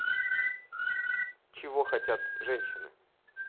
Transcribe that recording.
чего хотят женщины